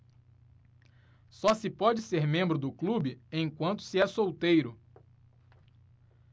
só se pode ser membro do clube enquanto se é solteiro